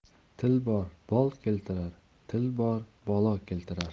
til bor bol keltirar til bor balo keltirar